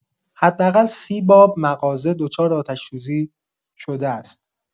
حداقل ۳۰ باب مغازه دچار آتش‌سوزی شده است.